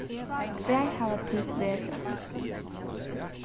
hvar hava tit verið